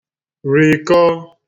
rìkọọ